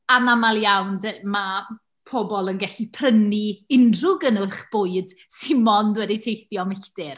Anaml iawn d- ma' pobl yn gallu prynu unrhyw gynnyrch bwyd sy mond wedi teithio milltir.